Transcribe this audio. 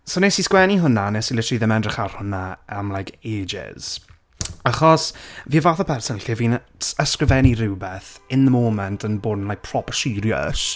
So enes i sgwennu hwnna, a wnes i literally ddim edrych ar hwnna am like ages. Achos fi y fath o berson lle fi'n ysgrifennu rywbeth in the moment yn bod yn like proper serious.